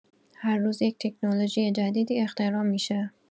هر روز یه تکنولوژی جدیدی اختراع می‌شه.